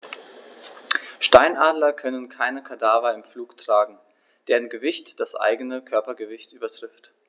Steinadler können keine Kadaver im Flug tragen, deren Gewicht das eigene Körpergewicht übertrifft.